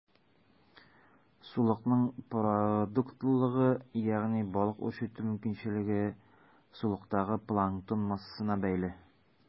Сулыкның продуктлылыгы, ягъни балык үрчетү мөмкинчелеге, сулыктагы планктон массасына бәйле.